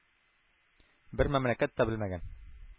Бер мәмләкәт тә белмәгән,